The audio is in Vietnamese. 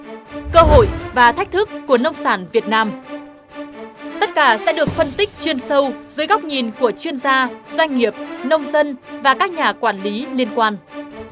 cơ hội và thách thức của nông sản việt nam tất cả sẽ được phân tích chuyên sâu dưới góc nhìn của chuyên gia doanh nghiệp nông dân và các nhà quản lý liên quan